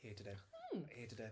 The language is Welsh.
Hated it... Mm. ...hated it.